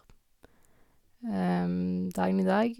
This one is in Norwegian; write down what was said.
Dagen i dag...